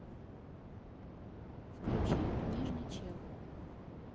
включи книжный чел